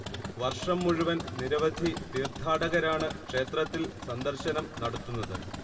വർഷം മുഴുവൻ നിരവധി തീർത്ഥാടകരാണ് ക്ഷേത്രത്തിൻ സന്ദർശനം നടത്തുന്നത്